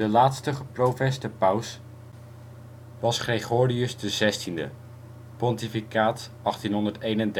laatste geprofeste paus was Gregorius XVI (pontficaat 1831 – 1846